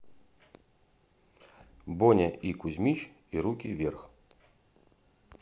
боня и кузьмич и руки вверх